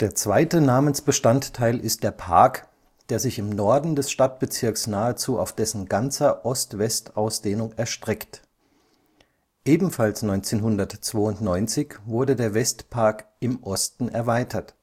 zweite Namensbestandteil ist der Park, der sich im Norden des Stadtbezirks nahezu auf dessen ganzer Ost-West-Ausdehnung erstreckt. Ebenfalls 1992 wurde der Westpark im Osten erweitert